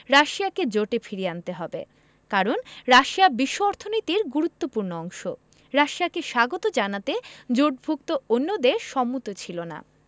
রাশিয়াকে জোটে ফিরিয়ে আনতে হবে কারণ রাশিয়া বিশ্ব অর্থনীতির গুরুত্বপূর্ণ অংশ রাশিয়াকে স্বাগত জানাতে জোটভুক্ত অন্য দেশ সম্মত ছিল না